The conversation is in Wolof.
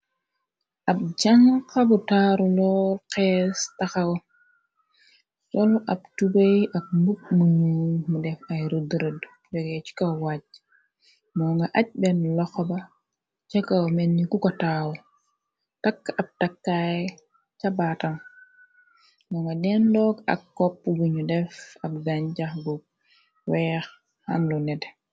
ab jàngxabu taaru loor xees taxaw solu ab tubey ak mbug munu mu def ay rudrëd lgee ci kaw wajj moo nga aj benn loxoba ca kaw menni ku ko taaw takk ab takkaay ca baatam na nga den loog ak kopp bunu def ab dan jax bu weex xànlu nete